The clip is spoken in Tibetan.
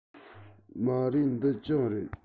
མ རེད འདི གྱང རེད